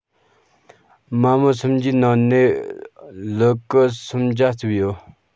མ མོ སུམ བརྒྟའི ནང ནས ལུ གུ སོམ བརྒྱ རྩེབས ཡོད